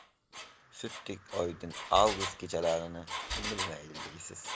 sutdek oydin avgust kechalarini kim bilmaydi deysiz